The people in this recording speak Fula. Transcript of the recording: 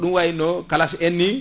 ɗum wayno kalassi en ni